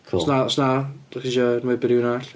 Cŵl. Os na, os na dach chi isio enwebu rywun arall?